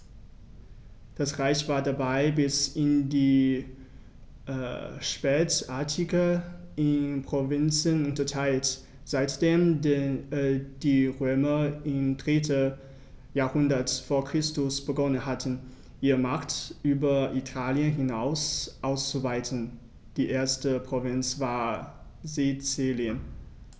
Das Reich war dabei bis in die Spätantike in Provinzen unterteilt, seitdem die Römer im 3. Jahrhundert vor Christus begonnen hatten, ihre Macht über Italien hinaus auszuweiten (die erste Provinz war Sizilien).